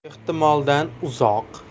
ehtimoldan uzoq